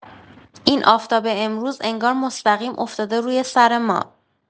این آفتاب امروز انگار مستقیم افتاده روی سر ما.